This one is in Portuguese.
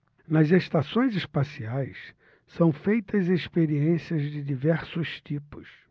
nas estações espaciais são feitas experiências de diversos tipos